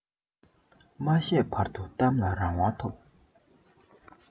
མ བཤད བར དུ གཏམ ལ རང དབང ཐོབ